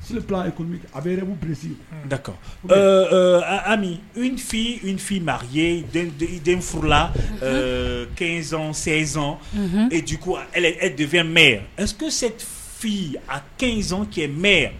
Seli fila a bɛ yɛrɛbu bilisi da kan amifinfin ma ye den furula kez sɛson defɛn mɛn yan se fi a keson cɛ mɛn yan